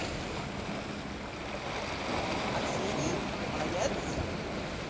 арсений молодец